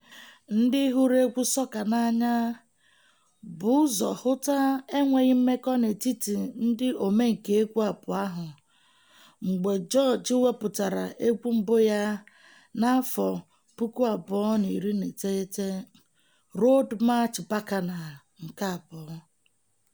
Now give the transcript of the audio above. Ndị hụrụ egwu sọka n'anya bụ ụzọ hụta enweghị mmekọ n'etiti ndị omenka egwu abụọ ahụ mgbe George wepụtara egwu mbụ ya na 2019, "Road March Bacchanal 2".